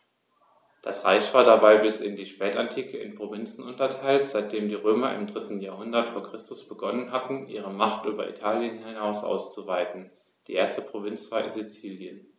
Das Reich war dabei bis in die Spätantike in Provinzen unterteilt, seitdem die Römer im 3. Jahrhundert vor Christus begonnen hatten, ihre Macht über Italien hinaus auszuweiten (die erste Provinz war Sizilien).